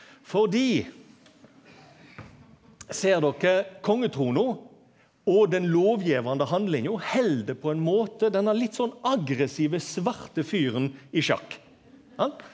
fordi ser dokker kongetrona og den lovgjevande handlinga held på ein måte den her litt sånn aggressive svarte fyren i sjakk sant?